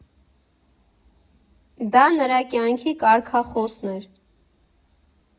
Դա նրա կյանքի կարգախոսն էր։